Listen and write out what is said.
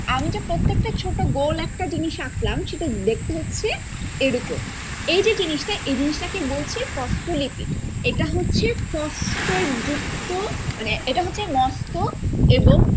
আমি যে প্রত্যেকটা ছোট গোল একটা জিনিস আকলাম সেটা দেখতে হচ্ছে এরকম এ যে জিনিসটা এই জিনিসটা কে বলছি ফসফোলিপিড এটা হচ্ছে ফসফেটযুক্ত এটা হচ্ছে মস্তক এবং